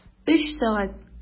Өч сәгать!